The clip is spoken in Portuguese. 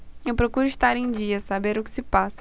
eu procuro estar em dia saber o que se passa